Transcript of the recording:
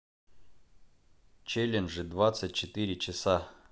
челленджи двадцать четыре часа